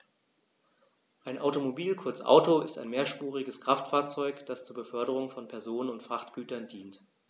Ein Automobil, kurz Auto, ist ein mehrspuriges Kraftfahrzeug, das zur Beförderung von Personen und Frachtgütern dient.